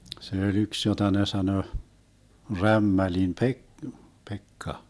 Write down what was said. se oli yksi jota ne sanoi Rämmälin - Pekka